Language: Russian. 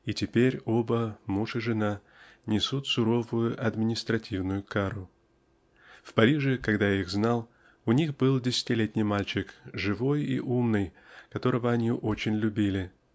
и теперь оба, муж и жена, несут суровую административную кару. В Париже когда я их знал у них был десятилетний мальчик живой и умный которого они очень любили.